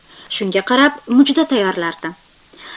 shunga qarab mujda tayyorlardim